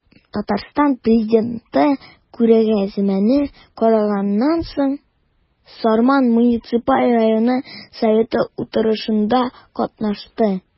Татарстан Президенты күргәзмәне караганнан соң, Сарман муниципаль районы советы утырышында катнашты.